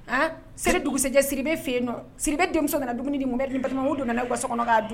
Dugujɛ siri fɛ yen siri bɛ denmuso nana dumuni bɛ donna nana ganso kɔnɔkan